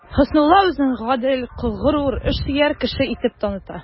Хөснулла үзен гадел, горур, эшсөяр кеше итеп таныта.